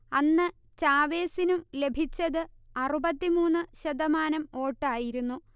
അന്ന് ചാവെസിനും ലഭിച്ചത് അറുപത്തി മൂന്ന് ശതമാനം വോട്ടായിരുന്നു